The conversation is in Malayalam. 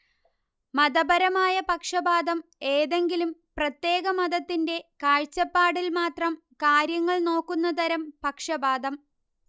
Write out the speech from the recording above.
മതപരമായ പക്ഷപാതം ഏതെങ്കിലും പ്രത്യേക മതത്തിന്റെ കാഴ്ചപ്പാടില് മാത്രം കാര്യങ്ങള് നോക്കുന്ന തരം പക്ഷപാതം